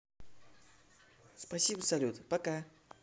спасибо салют пока